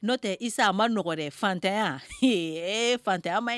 N'o tɛsa a ma nɔgɔ dɛ fatanya fatanya ma ye